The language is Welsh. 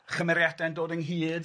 chymeriade'n dod ynghyd.